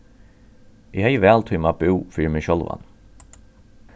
eg hevði væl tímað at búð fyri meg sjálvan